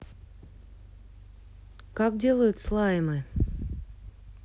как делают слаймы